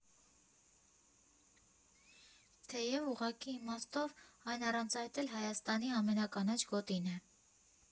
Թեև ուղղակի իմաստով այն առանց այդ էլ Հայաստանի ամենականաչ գոտին է։